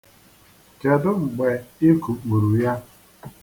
Kedụ mgbe i kukpuru ya?